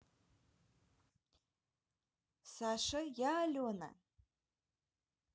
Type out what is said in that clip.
саша я алена